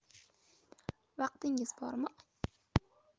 vaqtingiz bormi